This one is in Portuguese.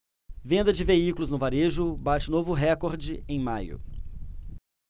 venda de veículos no varejo bate novo recorde em maio